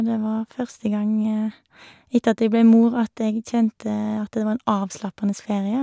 Det var første gang etter at jeg ble mor at jeg kjente at det var en avslappende ferie.